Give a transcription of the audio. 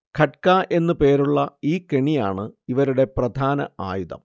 'ഖട്ക' എന്നു പേരുള്ള ഈ കെണിയാണ് ഇവരുടെ പ്രധാന ആയുധം